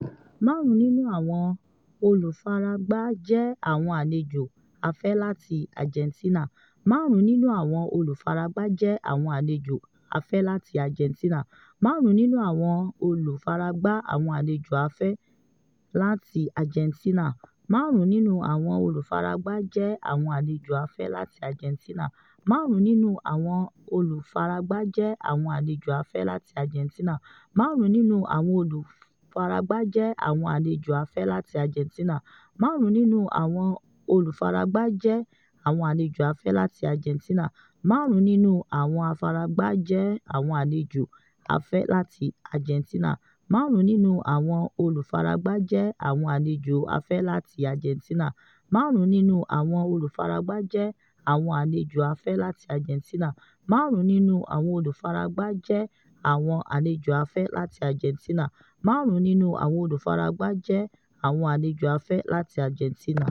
Márùn-ún nínu àwọn olùfaragbá jẹ́ àwọn àlejò afẹ́ láti Argentina.